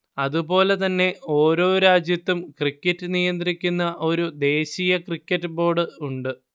അതുപോലെതന്നെ ഓരോ രാജ്യത്തും ക്രിക്കറ്റ് നിയന്ത്രിക്കുന്ന ഒരു ദേശീയ ക്രിക്കറ്റ് ബോർഡ് ഉണ്ട്